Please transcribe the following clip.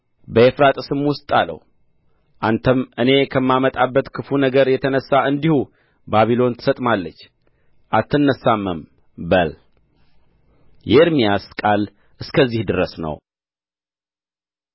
በኤፍራጥስም ውስጥ ጣለው አንተም እኔ ከማመጣባት ክፉ ነገር የተነሣ እንዲሁ ባቢሎን ትሰጥማለች አትነሣምም በል የኤርምያስ ቃል እስከዚህ ድረስ ነው